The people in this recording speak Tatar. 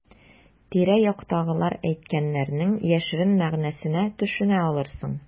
Тирә-яктагылар әйткәннәрнең яшерен мәгънәсенә төшенә алырсың.